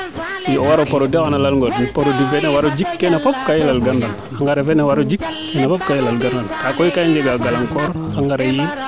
i o waro produit o xene leyonge produit fene waro jik keene fop ka i lal ganra engrais fene waro jik keene fop ka i lal ganan ga i njega galang koor engrais yiin